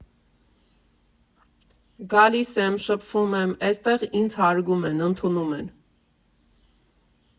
Գալիս եմ, շփվում եմ, էստեղ ինձ հարգում են, ընդունում են։